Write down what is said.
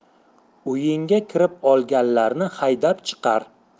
uyingga kirib olganlarni haydab chiqar